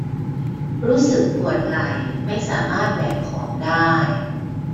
รู้สึกปวดไหล่ไม่สามารถแบกของได้